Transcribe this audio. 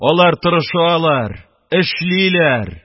Алар тырышалар, эшлиләр,